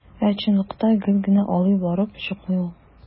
Ә чынлыкта гел генә алай барып чыкмый шул.